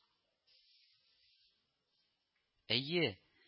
— әйе